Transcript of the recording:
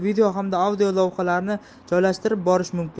video hamda audio lavhalarni joylashtirib borish mumkin